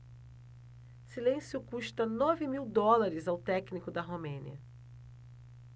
silêncio custa nove mil dólares ao técnico da romênia